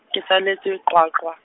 ke tswaletswe qwaqwa.